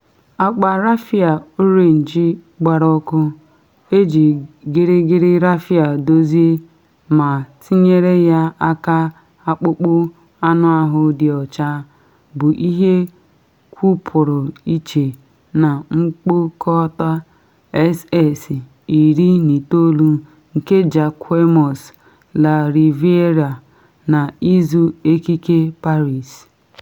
Akpa raffia orenji gbara ọkụ, eji gịrịgịrị raffia dozie ma tinye ya aka akpụkpụ anụahụ dị ọcha, bụ ihe kwụpụrụ iche na mkpokọta SS19 nke Jacquemus’ La Riviera na Izu Ekike Paris.